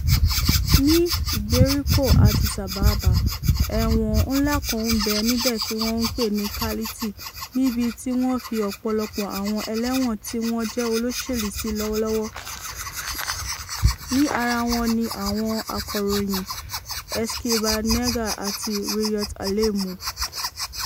Ní ìgbèríko Addis Ababa, ẹ̀wọ̀n ńlá kan ń bẹ níbẹ̀ tí wọn ń pè ní Kality níbi tí wọ́n fi ọ̀pọ̀lọpọ̀ àwọn ẹlẹ́wọ̀n tí wọ́n jẹ́ olóṣèlú sí lọ́wọ́lọ́wọ́, ní ara wọn ni àwọn akọ̀ròyìn Eskinbar Nega àti Reeyot Alemu.